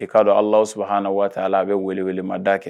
I k'a dɔ Alahu subahanahu wataala a be welewelema da kɛ